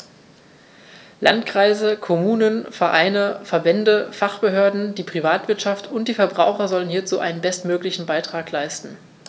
Landkreise, Kommunen, Vereine, Verbände, Fachbehörden, die Privatwirtschaft und die Verbraucher sollen hierzu ihren bestmöglichen Beitrag leisten.